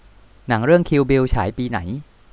หนังเรื่องคิลบิลฉายปีไหน